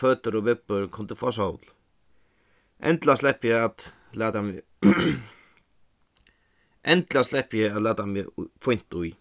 føtur og bibbur kundu fáa sól endiliga sleppi eg at lata meg í endiliga sleppi eg at lata meg fínt í